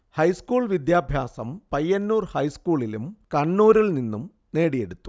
high school വിദ്യാഭ്യാസം പയ്യന്നൂർ ഹൈസ്കൂളിലും കണ്ണൂരിൽ നിന്നും നേടിയെടുത്തു